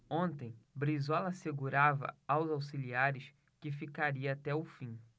ontem brizola assegurava aos auxiliares que ficaria até o fim